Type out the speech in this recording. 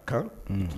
Ka